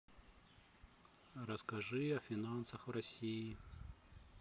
расскажи о финансах в россии